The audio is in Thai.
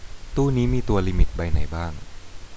ตู้นี้มีตัวลิมิตใบไหนบ้าง